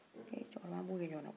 ko eh cɛkɔrɔba anw b'o kɛ ɲɔgɔn na